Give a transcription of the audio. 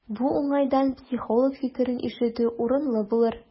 Бу уңайдан психолог фикерен ишетү урынлы булыр.